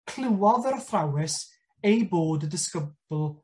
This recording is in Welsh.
clywodd yr athrawes ei bod y disgybl